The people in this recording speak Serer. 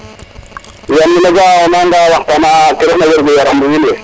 yam ne o ga a o nanga waxtana ke ref na wergu yaram no wiin we